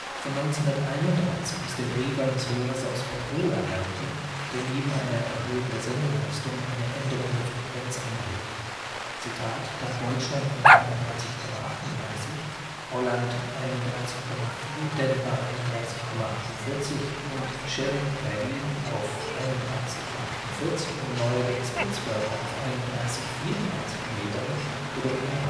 Von 1931 ist der Brief eines Hörers aus Peru erhalten, der neben einer Erhöhung der Sendeleistung eine Änderung der Frequenz anregt, „ da Deutschland mit 31,38, Holland 31,4, Denver 31,48 und Shenectady auf 31,48 und noch neuerdings Pittsburgh auf 31,34 m oder weniger arbeitet